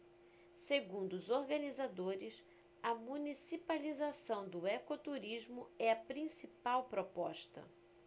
segundo os organizadores a municipalização do ecoturismo é a principal proposta